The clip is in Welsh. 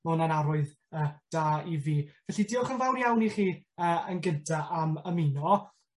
ma' 'wn yn arwydd yy da i fi. Felly diolch yn fawr iawn i chi yy yn gynta am ymuno.